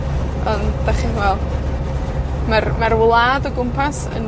Ond 'dach chi'n weld, ma'r, mae'r wlad o gwmpas yn